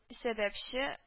Сәбәпче